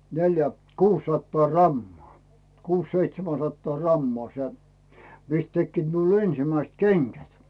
neljä kuusisataa grammaa kuusi seitsemän sataa grammaa se mistä tekivät minulla ensimmäiset kengät